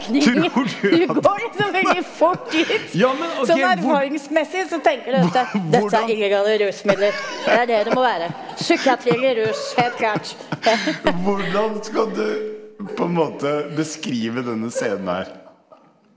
tror du at jammen ok hvordan hvordan skal du på en måte beskrive denne scenen her?